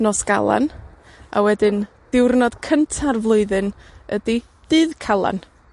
Nos Galan. A wedyn diwrnod cynta'r flwyddyn ydi Dydd Calan.